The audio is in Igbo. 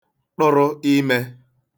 tụrụ ime